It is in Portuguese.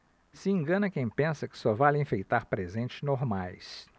se engana quem pensa que só vale enfeitar presentes normais